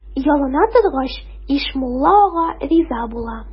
Ялына торгач, Ишмулла ага риза була.